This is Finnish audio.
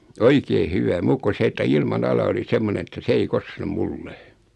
oikein hyvä muuta kuin se että ilmanala oli semmoinen että se ei koske minulle